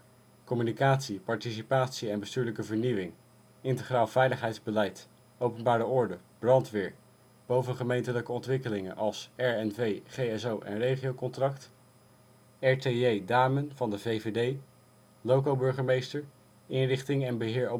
communicatie, participatie en bestuurlijke vernieuwing, integraal veiligheidsbeleid / openbare orde, brandweer, bovengemeentelijke ontwikkelingen als RNV, GSO en regiocontract R.T.J. Daamen (VVD): loco-burgemeester, inrichting en beheer